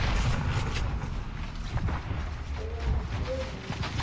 блонди колл ми